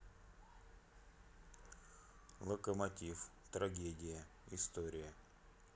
локомотив трагедия история